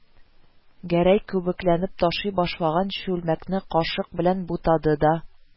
Гәрәй күбекләнеп ташый башлаган чүлмәкне кашык белән бутады да: